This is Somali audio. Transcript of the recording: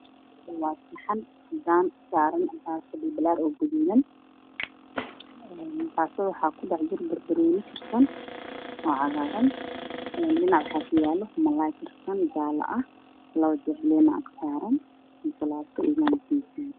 Waa saxan cadaan oo ku jiro baasto balbalaar oo gaduudan baastada waxaa ku dhex jiro barbarooni karsan oo cagaaran dhinac waxaa ka yaalo malaay karsan jaalo ah labo jeex liin aa ka saaran cansalaato iyo yaanyo sibirzaan